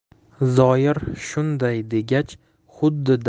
zoir shunday degach xuddi